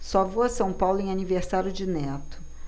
só vou a são paulo em aniversário de neto